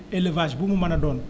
élévage bu mu mën a doon